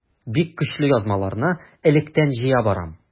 Бик көчле язмаларны электән җыя барам.